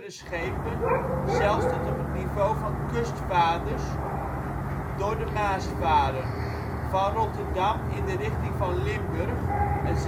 schepen zelfs tot op het niveau van kustvaarders door de Maas varen, van Rotterdam in de richting van Limburg en